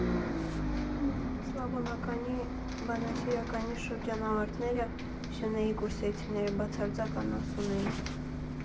Սլավոնականի բանասիրականի շրջանավարտները՝ Սյունեի կուրսեցիները, բացարձակ անասուն էին։